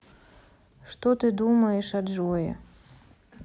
что ты думаешь о джое